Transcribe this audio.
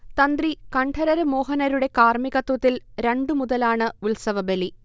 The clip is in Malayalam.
തന്ത്രി കണ്ഠരര് മോഹനരുടെ കാർമികത്വത്തിൽ രണ്ടുമുതലാണ് ഉത്സവബലി